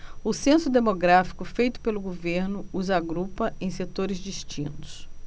o censo demográfico feito pelo governo os agrupa em setores distintos